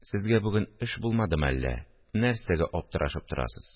– сезгә бүген эш булмадымы әллә, нәрсәгә аптырашып торасыз?